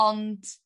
Ond